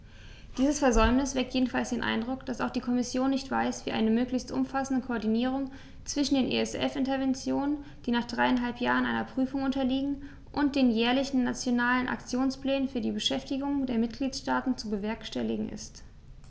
Dieses Versäumnis weckt jedenfalls den Eindruck, dass auch die Kommission nicht weiß, wie eine möglichst umfassende Koordinierung zwischen den ESF-Interventionen, die nach dreieinhalb Jahren einer Prüfung unterliegen, und den jährlichen Nationalen Aktionsplänen für die Beschäftigung der Mitgliedstaaten zu bewerkstelligen ist.